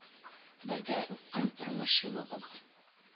Бергә үтсен тормыш юлыгыз